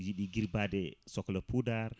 yiiɗi guibade sohla poudare